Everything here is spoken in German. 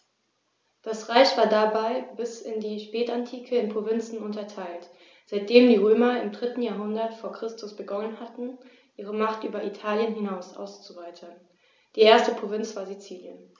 Das Reich war dabei bis in die Spätantike in Provinzen unterteilt, seitdem die Römer im 3. Jahrhundert vor Christus begonnen hatten, ihre Macht über Italien hinaus auszuweiten (die erste Provinz war Sizilien).